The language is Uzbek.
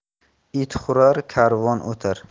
it hurar karvon o'tar